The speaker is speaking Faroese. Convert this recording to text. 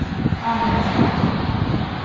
ahornsirop